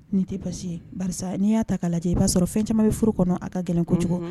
N'i tɛ basi ye barisa n'i y'a ta ka lajɛ i b'a sɔrɔ fɛn caman bɛ furu kɔnɔ, unhun, a ka gɛlɛn kojugu.